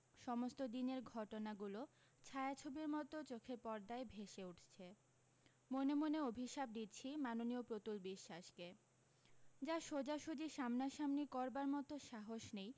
সমস্ত দিনের ঘটনাগুলো ছায়াছবির মতো চোখের পর্দায় ভেসে উঠছে মনে মনে অভিশাপ দিচ্ছি মাননীয় প্রতুল বিশ্বাসকে যা সোজাসুজি সামনা সামনি করবার মতো সাহস নেই